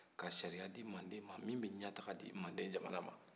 ka sariya di mande ma min bɛ ɲɛtaa di mande ma